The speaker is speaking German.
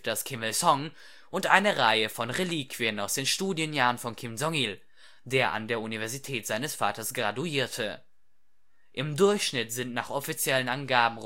Kim Il-sung und eine Reihe von Reliquien aus den Studienjahren von Kim Jong-il, der an der Universität seines Vaters graduierte. Im Durchschnitt sind nach offiziellen Angaben